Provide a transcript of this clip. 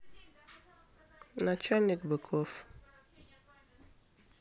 начальник быков